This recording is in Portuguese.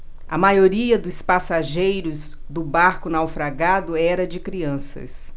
a maioria dos passageiros do barco naufragado era de crianças